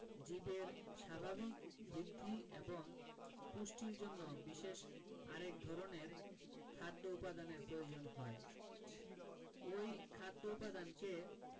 জীবের স্বাভাবিক বৃদ্ধি এবং পুষ্টির জন্য বিশেষ আরেক ধরনের খাদ্য উপাদানের প্রয়োজন হয় ঐ খাদ্য উপাদানকে